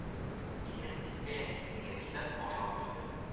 Кисеп эткә яки песигә бирсәң, ашау түгел